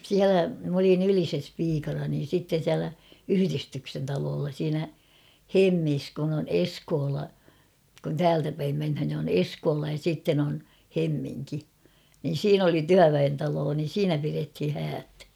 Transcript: siellä minä olin Ylisessä piikana niin sitten siellä yhdistyksen talolla siinä Hemmissä kun on Eskola kun täältä päin mennään niin on Eskola ja sitten on Hemminki niin siinä oli työväentalo niin siinä pidettiin häät